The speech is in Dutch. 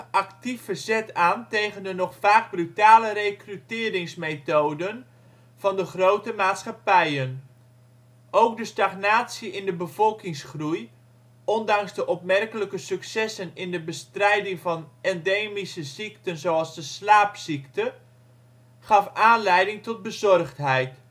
actief verzet aan tegen de nog vaak brutale rekruteringsmethoden van de grote maatschappijen. Ook de stagnatie in de bevolkingsgroei - ondanks de opmerkelijke successen in de bestrijding van endemische ziekten zoals de slaapziekte - gaf aanleiding tot bezorgdheid